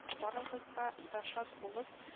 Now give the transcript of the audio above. – барыгызга да шат булып